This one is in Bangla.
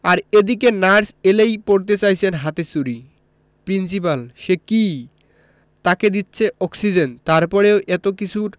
আর এদিকে নার্স এলেই পরতে চাইছেন হাতে চুড়ি প্রিন্সিপাল সে কি তাকে দিচ্ছে অক্সিজেন তারপরেও এত কিছুর